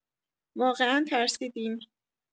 واقعا ترسیدیم.